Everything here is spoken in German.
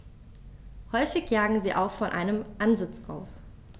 Häufig jagen sie auch von einem Ansitz aus.